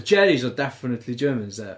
Gerrys oedd definitely Germans ia